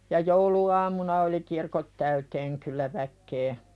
ja jouluaamuna oli kirkot täyteen kyllä väkeä